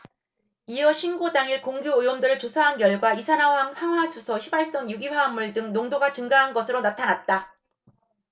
이어 신고 당일 공기오염도를 조사한 결과 이산화황 황화수소 휘발성유기화합물 등 농도가 증가한 것으로 나타났다